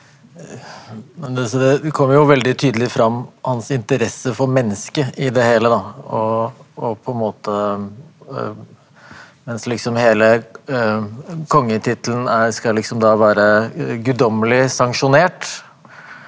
men det så det det kommer jo veldig tydelig fram hans interesse for mennesket i det hele da og og på en måte men slik som hele kongetittelen er skal liksom da være gudommelig sanksjonert.